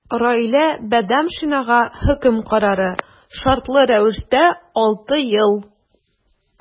Раилә Бадамшинага хөкем карары – шартлы рәвештә 6 ел.